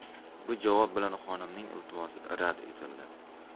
bu javob bilan xonimning iltimosi rad etildi